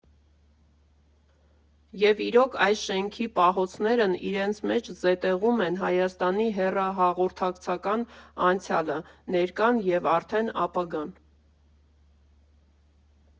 Եվ իրոք, այս շենքի պահոցներն իրենց մեջ զետեղում են Հայաստանի հեռահաղորդակցական անցյալը, ներկան և արդեն՝ ապագան։